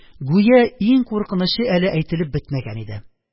Гүя иң куркынычы әле әйтелеп бетмәгән иде.